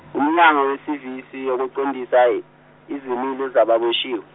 uMnyango weSevisi yokuqondisa izimilo zababoshiwe.